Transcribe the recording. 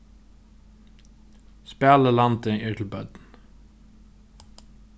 spælilandið er til børn